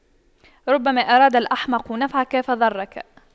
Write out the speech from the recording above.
ربما أراد الأحمق نفعك فضرك